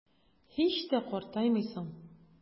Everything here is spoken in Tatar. Һич тә картаймыйсың.